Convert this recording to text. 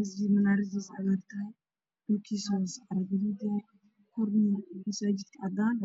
.asjid manaradiisa cagar tahy dhulkisa hose caro gaduud yahay masajidka cadan